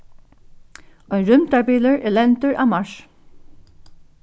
ein rúmdarbilur er lendur á mars